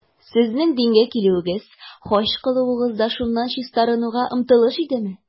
Сезнең дингә килүегез, хаҗ кылуыгыз да шуннан чистарынуга омтылыш идеме?